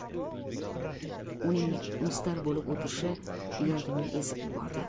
uning mustar bo'lib o'tirishi yuragimni ezib yubordi